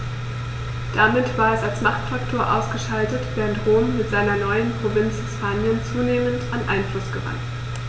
Damit war es als Machtfaktor ausgeschaltet, während Rom mit seiner neuen Provinz Hispanien zunehmend an Einfluss gewann.